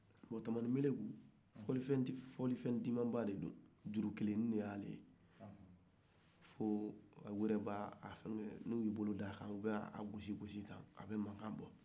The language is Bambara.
bon tamamin meleku fɔlifɛn dumaba dedon jurukelennin de do foo u yɛrɛ b'a fɛgɛ n'u y'u bolo d'akan u b'a gosi gosi tan a bɛ menkan bɔ